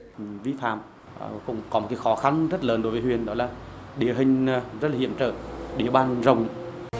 vi phạm cũng còn cái khó khăn rất lớn đối huyện đó là địa hình rất hiểm trở địa bàn rộng